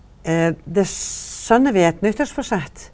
det skjønner vi er eit nyttårsforsett?